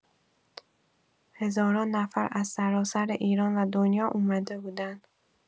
هزاران نفر از سراسر ایران و دنیا اومده بودن.